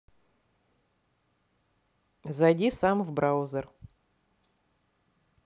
зайди сам в браузер